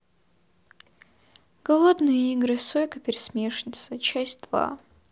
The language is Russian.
голодные игры сойка пересмешница часть два